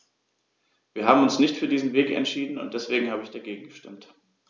Wir haben uns nicht für diesen Weg entschieden, und deswegen habe ich dagegen gestimmt.